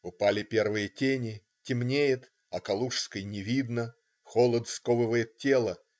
Упали первые тени, темнеет, а Калужской не видно. Холод сковывает тело.